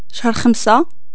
شهر خمسة